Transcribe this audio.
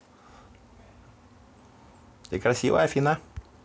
ты красивая афина